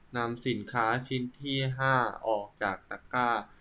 นำสินค้าชิ้นที่ห้าออกจากตะกร้า